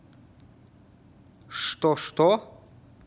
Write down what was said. что что